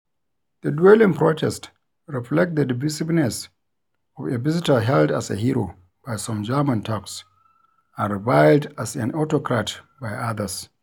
The dueling protests reflect the divisiveness of a visitor hailed as a hero by some German Turks and reviled as an autocrat by others.